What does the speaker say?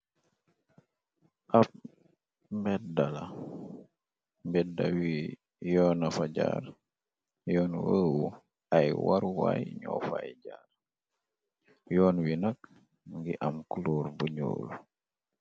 Ab mbeddala mbedda wi yoona fa jaar yoon wëewu. Ay warwaay ñoo fay jaar yoon wi nak ngi am cloor bu ñoolu.